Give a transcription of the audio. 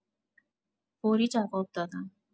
فوری جواب دادم.